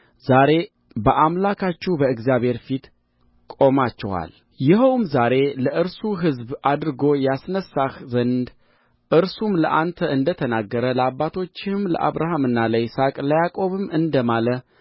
ዛሬ በአምላካችሁ በእግዚአብሔር ፊት ቆማችኋል ይኸውም ዛሬ ለእርሱ ሕዝብ አድርጎ ያስነሣህ ዘንድ እርሱም ለአንተ እንደ ተናገረ ለአባቶችህም ለአብርሃምና ለይስሐቅ ለያዕቆብም እንደ ማለ